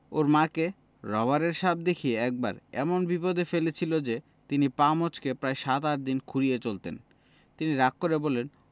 ওর মাকে রবারের সাপ দেখিয়ে একবার এমন বিপদে ফেলেছিল যে তিনি পা মচ্ কে প্রায় সাত আটদিন খুঁড়িয়ে চলতেন তিনি রাগ করে বললেন